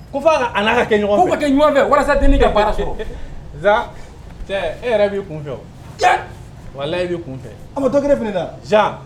Ko' ala ka kɛ ɲɔgɔn fɛ ka kɛ ɲɔgɔnfɛ walasa deni ka baara sɔrɔ zan e yɛrɛ b'i kun fɛ walayi b'i kun fɛ a bɛ dɔ kelen zan